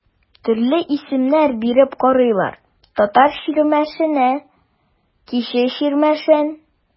Төрле исемнәр биреп карыйлар: Татар Чирмешәне, Кече Чирмешән.